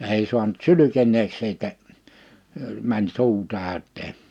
ja ei saanut sylkeneeksi siitä meni suu täyteen